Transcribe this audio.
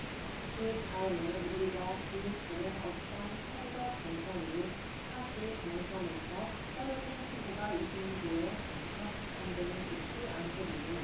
그다음에 우리가 그 전에 어떤 선거 경선 이후에 사실 경선에서 떨어진 후보가 이긴 후보에 대해서 감정은 좋지 않거든요